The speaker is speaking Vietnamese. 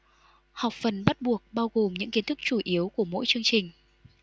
học phần bắt buộc bao gồm những kiến thức chủ yếu của mỗi chương trình